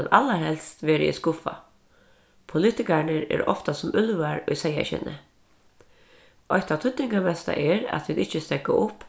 men allarhelst verði eg skuffað politikararnir eru ofta sum úlvar í seyðaskinni eitt tað týdningarmesta er at vit ikki steðga upp